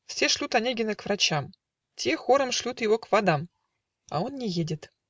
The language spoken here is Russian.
Все шлют Онегина к врачам, Те хором шлют его к водам. А он не едет